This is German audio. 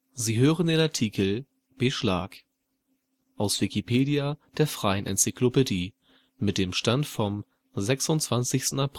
Sie hören den Artikel Beschlag, aus Wikipedia, der freien Enzyklopädie. Mit dem Stand vom Der